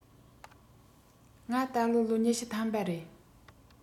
ང ད ལོ ལོ ཉི ཤུ ཐམ པ རེད